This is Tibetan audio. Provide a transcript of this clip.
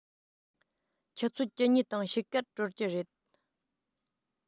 ཆུ ཚོད བཅུ གཉིས དང ཕྱེད ཀར གྲོལ གྱི རེད